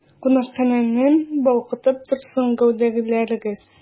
Кунакханәне балкытып торсын гәүдәләрегез!